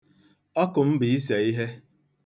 Ọkụ m bụ ise ihe.